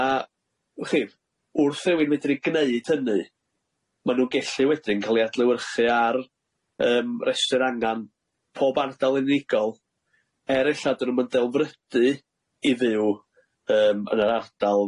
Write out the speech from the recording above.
A wch chi wrth i'w i'n medru gneud hynny ma' nw gellu wedyn ca'l i adlewyrchu ar yym restr angan pob ardal unigol er e'lla' dyn nw'm yn delfrydu i fyw yym yn yr ardal